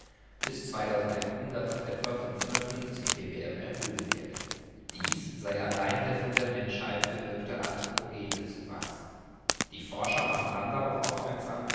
2100 auf etwa 550 ppm erhöhen wird. Dies sei allein der von der Menschheit bewirkte anthropogene Zuwachs. Die Forscher machen dann darauf aufmerksam